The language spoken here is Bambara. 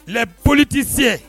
Lɛboli tɛi se